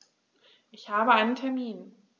Ich habe einen Termin.